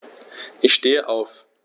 Ich stehe auf.